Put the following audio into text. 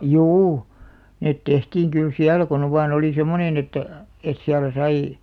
juu ne tehtiin kyllä siellä kun on vain oli semmoinen että että siellä sai